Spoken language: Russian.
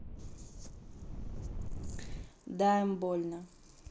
дай им больно